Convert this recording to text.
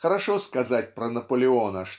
Хорошо сказать про Наполеона